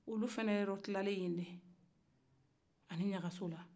olu dɔ tilala ye ne ani ɲagasola